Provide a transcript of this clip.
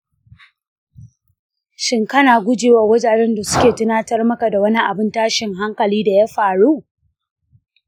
shin kana gujewa wajajen da suke tunatar maka da wani abin tashin hankali da ya faru?